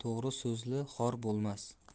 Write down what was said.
to'g'ri so'zli xor bo'lmas